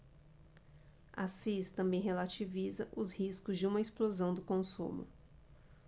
assis também relativiza os riscos de uma explosão do consumo